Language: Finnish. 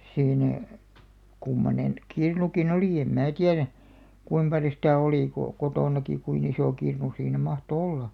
siinä kummoinen kirnukin oli en minä tiedä kuinka paljon sitä oli kun kotonakin kuinka iso kirnu siinä mahtoi olla